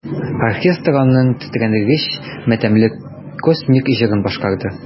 Оркестр аның тетрәндергеч матәмле космик җырын башкарды.